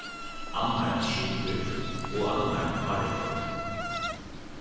annar æt sjúrður og annar hárekur